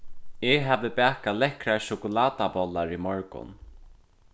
eg havi bakað lekkrar sjokulátabollar í morgun